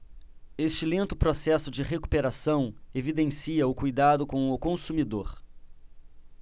este lento processo de recuperação evidencia o cuidado com o consumidor